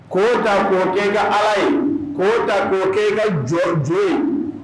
K'o ta k'o kɛ i ka ala ye, k'o ta k'o kɛ i ka jɔn jo ye.